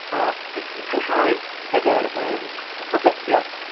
a d- 'di parhau efo'r yym podlediad.